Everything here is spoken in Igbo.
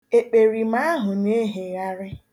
Ekperima ahụ na-ehegharị